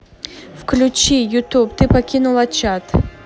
включи ютуб ты покинула чат